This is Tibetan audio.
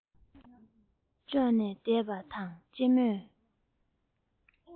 ཙོག ནས བསྡད པ དང གཅེན མོས